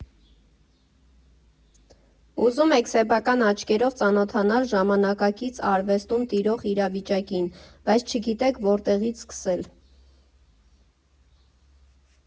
Ուզում եք սեփական աչքերով ծանոթանալ ժամանակից արվեստում տիրող իրավիճակին, բայց չգիտեք որտեղի՞ց սկսել։